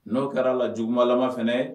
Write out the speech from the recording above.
N'o kɛra la jugumalamalama fɛ